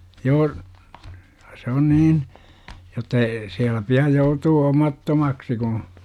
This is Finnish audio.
joo se on niin jotta ei siellä pidä joutua omattomaksi kun